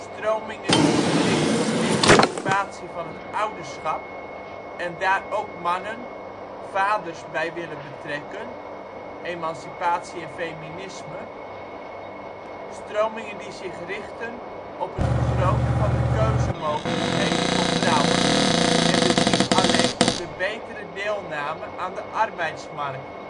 Stromingen die zich richten op emancipatie van het ouderschap en daar ook mannen, vaders bij willen betrekken (emancipatie, feminisme). Stromingen die zich richten op het vergroten van de keuzemogelijkheden voor vrouwen (en dus niet alleen op de betere deelname aan de arbeidsmarkt